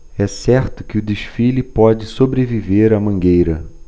é certo que o desfile pode sobreviver à mangueira